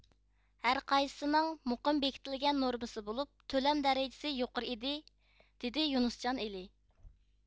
ھەرقايسىسىنىڭ مۇقىم بېكىتىلگەن نورمىسى بولۇپ تۆلەم دەرىجىسى يۇقىرى ئىدى دېدى يۈنۈسجان ئېلى